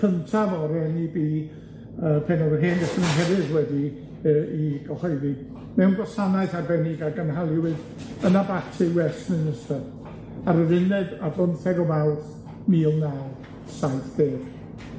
cyntaf o'r En Ee Bee yy pen o'dd yr Hen Destament hefyd wedi yy 'i gyhoeddi mewn gwasanaeth arbennig a gynhaliwyd yn Abaty Westminister, ar yr unfed ar bymtheg o Fawrth mil naw saith deg.